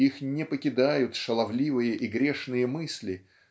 их не покидают шаловливые я грешные мысли